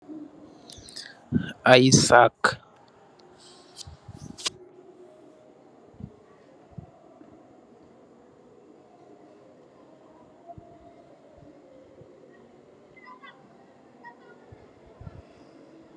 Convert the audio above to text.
Aii sack.